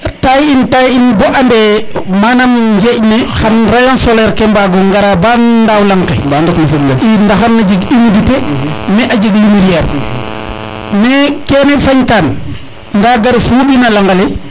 tailler in tailler bo ande manam njeeƴ ne xan rayon solaire ke mabgo ngara ba ndaaw laŋ ke ba ndok no fuɗ le i ndaxar ne jeg humiditer a jeg lumiere mais kene fañ tan nda ga fumbin a langa le